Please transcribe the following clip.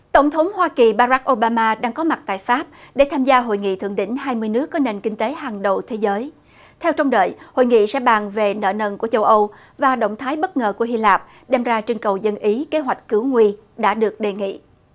tổng thống hoa kỳ ba rắc ô ba ma đang có mặt tại pháp để tham gia hội nghị thượng đỉnh hai mươi nước có nền kinh tế hàng đầu thế giới theo trông đợi hội nghị sẽ bàn về nợ nần của châu âu và động thái bất ngờ của hy lạp đem ra trưng cầu dân ý kế hoạch cứu nguy đã được đề nghị